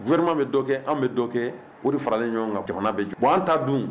Gouvernement bɛ dɔ kɛ, an bɛ dɔ kɛ, o de faralen ɲɔgɔn kan, jamana bɛ jɔ, bon an ta dun!